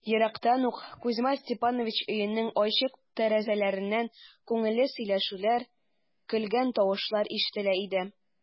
Ерактан ук Кузьма Степанович өенең ачык тәрәзәләреннән күңелле сөйләшүләр, көлгән тавышлар ишетелә иде.